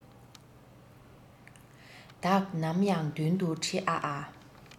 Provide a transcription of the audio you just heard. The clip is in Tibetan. བདག ནམ ཡང མདུན དུ ཁྲིད ཨ ཨ